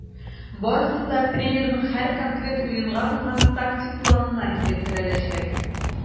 Барысы да тренерның һәр конкрет уенга булган тактик планына килеп терәләчәк.